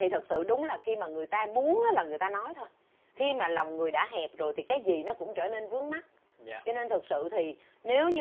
thì thật sự đúng là khi mà người ta muốn là người ta nói thôi khi mà lòng người đã hẹp rồi thì cái gì nó cũng trở nên vướng mắc cho nên thực sự thì nếu như